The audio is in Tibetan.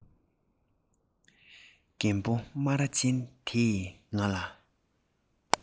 རྒད པོ སྨ ར ཅན དེས ང ལ